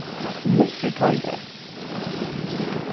nýggjur teigur